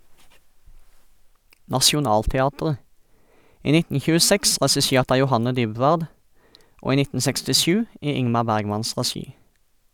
Nationaltheatret, i 1926 regissert av Johanne Dybwad og i 1967 i Ingmar Bergmans regi.